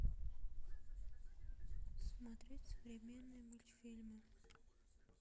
смотреть современные мультфильмы